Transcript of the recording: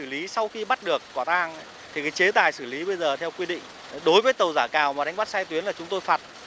xử lý sau khi bắt được quả tang thì cái chế tài xử lý bây giờ theo quy định đối với tàu giả cào đánh bắt sai tuyến là chúng tôi phạt